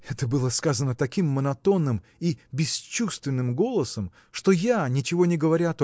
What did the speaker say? Это было сказано таким монотонным и бесчувственным голосом что я ничего не говоря